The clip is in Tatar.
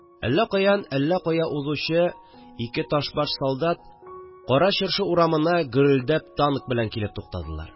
Әллә каян әллә кая узучы ике ташбаш солдат Кара Чыршы урамына гөрелдәп танк белән килеп туктадылар